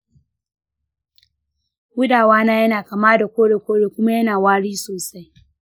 gudawana yana kama da kore-kore kuma yana wari sosai.